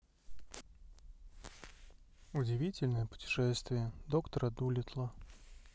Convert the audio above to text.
удивительное путешествие доктора дуллитла